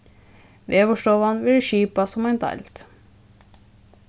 veðurstovan verður skipað sum ein deild